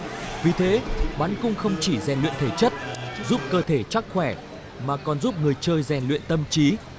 vì thế bắn cung không chỉ rèn luyện thể chất giúp cơ thể chắc khỏe mà còn giúp người chơi rèn luyện tâm trí